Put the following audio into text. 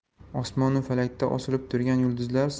osmon u falakda osilib turgan yulduzlar